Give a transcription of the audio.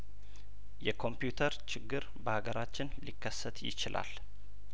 የኮምፒውተር ችግር በሀገራችን ሊከሰት ይችላል